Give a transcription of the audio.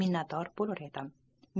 minnatdor bo'lur edim